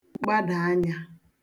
gbàdà anyā